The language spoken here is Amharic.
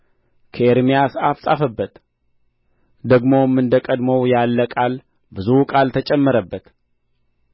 ከኤርምያስ አፍ ጻፈበት ደግሞም እንደ ቀድሞው ያለ ቃል ብዙ ቃል ተጨመረበት